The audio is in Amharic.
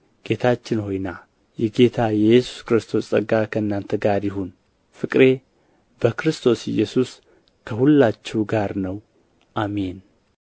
ጌታችን ሆይ ና የጌታ የኢየሱስ ክርስቶስ ጸጋ ከእናንተ ጋር ይሁን ፍቅሬ በክርስቶስ ኢየሱስ ከሁላችሁ ጋር ነው አሜን